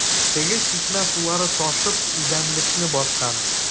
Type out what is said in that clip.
Теге чишмә сулары ташып үзәнлекне баскан.